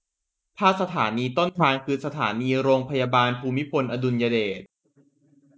ถ้าสถานีต้นทางคือสถานีโรงพยาบาลภูมิพลอดุลยเดช